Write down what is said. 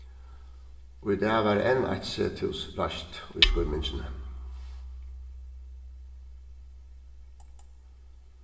í dag varð enn eitt sethús reist í skýmingini